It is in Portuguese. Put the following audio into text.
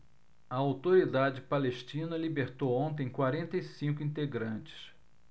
a autoridade palestina libertou ontem quarenta e cinco integrantes